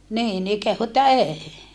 niin niin kehui että ei